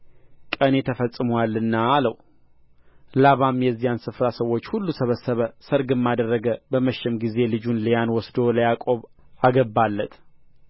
ቀኔ ተፈጽሞአልና አለው ላባም የዚያን ስፍራ ሰዎች ሁሉ ሰበሰበ ሰርግም አደረገ በመሸም ጊዜ ልጁን ልያን ወስዶ ለያዕቆብ አገባለት